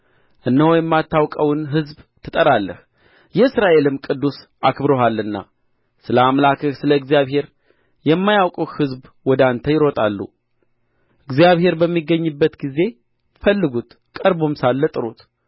እነሆ የማታውቀውን ሕዝብ ትጠራለህ የእስራኤልም ቅዱስ አክብሮሃልና ስለ አምላክህ ስለ እግዚአብሔር የማያውቁህ ሕዝብ ወደ አንተ ይሮጣሉ እግዚአብሔር በሚገኝበት ጊዜ ፈልጉት ቀርቦም ሳለ ጥሩት